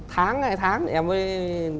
hai tháng em mới